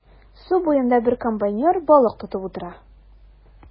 Су буенда бер комбайнер балык тотып утыра.